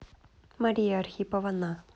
мария архипова на